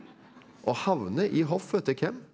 og havner i hoffet til hvem?